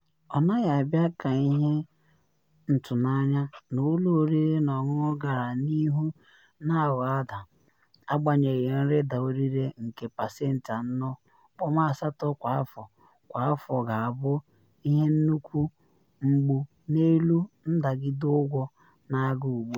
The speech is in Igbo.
Ọ naghị abịa ka ihe ntụnanya na ụlọ oriri na ọṅụṅụ gara n’ihu na aghọ ada, agbanyeghị nrịda ọrịre nke pasentị 4.8 kwa afọ kwa afọ ga-abụ ihe nnukwu mgbu n’elu ndagide ụgwọ na aga ugbu a.